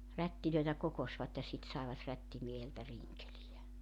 rättejä kokoisvat ja sitten saivat rättimieheltä rinkeleitä